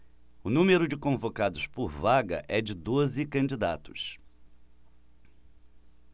o número de convocados por vaga é de doze candidatos